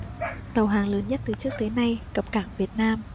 tàu hàng lớn nhất từ trước tới nay cập cảng việt nam